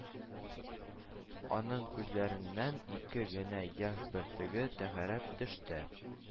Аның күзләреннән ике генә яшь бөртеге тәгәрәп төште